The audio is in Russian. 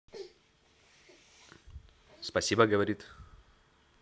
спасибо говорит